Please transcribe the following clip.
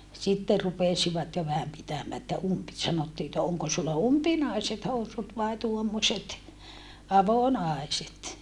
sitten rupesivat jo vähän pitämään että - sanottiin että onko sinulla umpinaiset housut vai tuommoiset avonaiset